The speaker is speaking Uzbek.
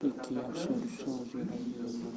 ikki yaxshi urishsa o'zgalarga yem bolar